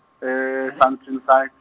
e- Sandton .